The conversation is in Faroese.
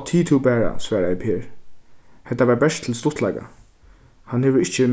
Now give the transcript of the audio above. áh tig tú bara svaraði per hetta var bert til stuttleika hann hevur ikki